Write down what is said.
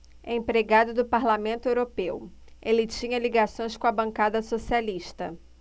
empregado do parlamento europeu ele tinha ligações com a bancada socialista